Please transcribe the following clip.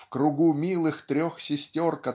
в кругу милых трех сестер